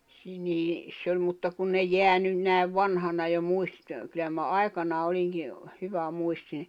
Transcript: - niissä oli mutta kun ne jää nyt näin vanhana jo muistista kyllä minä aikanaan olinkin hyvämuistinen